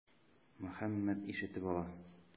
Мөхәммәт ишетеп ала.